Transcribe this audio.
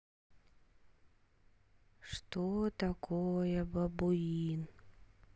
что такое бабуин